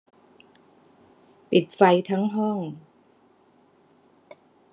ปิดไฟทั้งห้อง